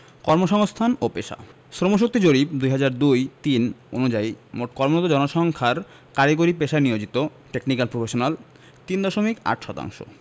কর্মসংস্থান ও পেশাঃ শ্রমশক্তি জরিপ ২০০২ ০৩ অনুযায়ী মোট কর্মরত জনসংখ্যার কারিগরি পেশায় নিয়োজিত টেকনিকাল প্রফেশনাল ৩ দশমিক ৮ শতাংশ